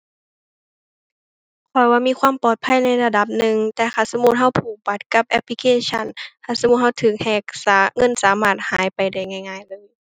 เพราะว่ามีความปลอดภัยในระดับหนึ่ง แต่คันสมมุติเราผูกบัตรกับแอปพลิเคชัน ถ้าสมมุติเราเราแฮ็ก สา เงินสามารถหายไปได้ง่ายง่ายเลย